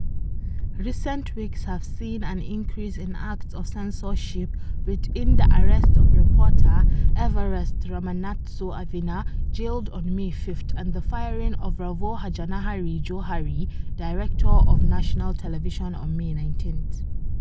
Recent weeks have seen an increase in acts of censorship, with in the arrest of reporter Evariste Ramanatsoavina, jailed on May, 5th, and the firing of Ravoajanahary Johary, director of National Television on May 19th.